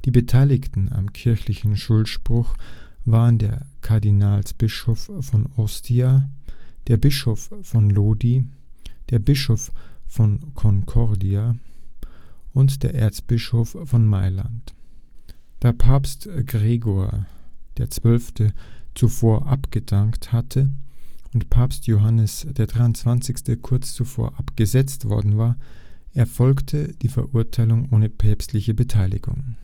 Beteiligten am kirchlichen Schuldspruch waren der Kardinalsbischof von Ostia, der Bischof von Lodi, der Bischof von Concordia und der Erzbischof von Mailand. Da Papst Gregor XII. zuvor abgedankt hatte und Papst Johannes XXIII. kurz zuvor abgesetzt worden war, erfolgte die Verurteilung ohne päpstliche Beteiligung